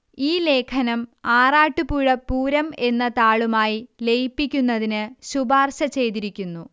ഈ ലേഖനം ആറാട്ടുപുഴ പൂരം എന്ന താളുമായി ലയിപ്പിക്കുന്നതിന് ശുപാര്ശ ചെയ്തിരിക്കുന്നു